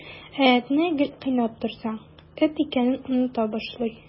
Ә этне гел кыйнап тормасаң, эт икәнен оныта башлый.